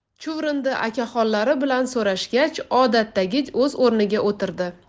chuvrindi akaxonlari bilan so'rashgach odatdagi o'z o'rniga o'tirdi